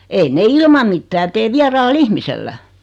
ei ne ilman mitään tee vieraalla ihmisellä